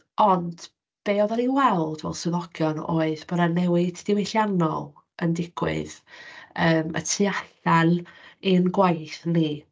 Ond, be oedden ni'n weld, fel swyddogion, oedd bod 'na newid diwylliannol yn digwydd yym y tu allan i'n gwaith ni.